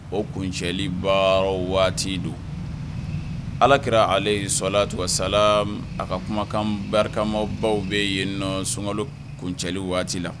O kuncɛlibaa waati don ala kɛrara ale sola tu sa a ka kumakan barikama baw bɛ yen n nɔ sungɔlo kuncɛli waati la